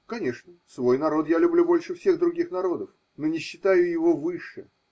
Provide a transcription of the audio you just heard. Конечно, свой народ я люблю больше всех других народов, но не считаю его выше.